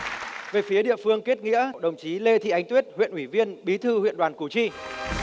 về phía địa phương kết nghĩa đồng chí lê thị ánh tuyết huyện ủy viên bí thư huyện đoàn củ chi